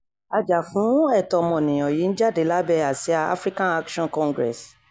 Ajà-fún-ẹ̀tọ́-ọmọnìyàn yìí ń jáde lábẹ́ àsíá African Action Congress.